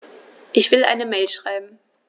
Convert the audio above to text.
Ich will eine Mail schreiben.